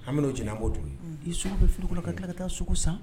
Ha bɛ' o j' kojugu i sogo bɛ fili kɔnɔ ka ka taa sogo san